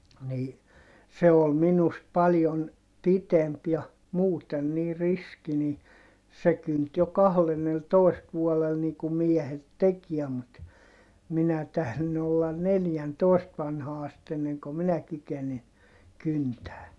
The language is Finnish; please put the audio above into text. niin se oli minusta paljon pitempi ja muuten niin riski niin se kynti jo kahdennellatoista vuodella niin kuin miehet teki mutta minä - olla neljäntoista vanhaan asti ennen kuin minä kykenin kyntämään